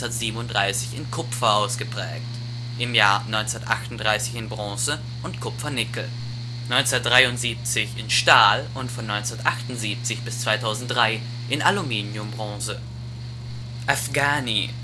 1937 in Kupfer ausgeprägt, im Jahr 1938 in Bronze und Kupfer-Nickel, 1973 in Stahl und von 1978 bis 2003 in Aluminium-Bronze. Afghani